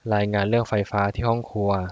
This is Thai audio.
รายงานเรื่องไฟฟ้าที่ห้องครัว